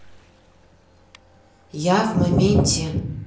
я в моменте